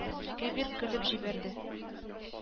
Кәбир көлеп җибәрде